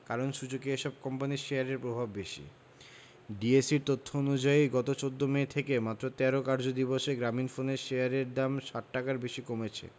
কারণ সূচকে এসব কোম্পানির শেয়ারের প্রভাব বেশি ডিএসইর তথ্য অনুযায়ী গত ১৪ মে থেকে মাত্র ১৩ কার্যদিবসে গ্রামীণফোনের শেয়ারের দাম ৬০ টাকার বেশি কমেছে